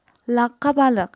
laqqa baliq